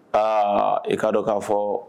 Aa i k kaa dɔn k'a fɔ